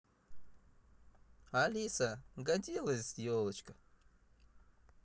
alisa годилась елочка